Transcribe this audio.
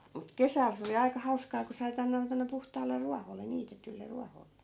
mutta kesällä se oli aika hauskaa kun sai panna ne tuonne puhtaalle ruoholle niitetylle ruoholle